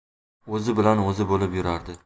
o'zi bilan o'zi bo'lib yurardi